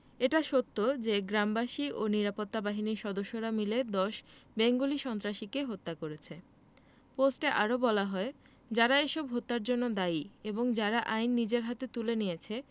এটা সত্য যে গ্রামবাসী ও নিরাপত্তা বাহিনীর সদস্যরা মিলে ১০ বেঙ্গলি সন্ত্রাসীকে হত্যা করেছে পোস্টে আরো বলা হয় যারা এসব হত্যার জন্য দায়ী এবং যারা আইন নিজের হাতে তুলে নিয়েছে